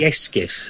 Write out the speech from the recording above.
...esgus.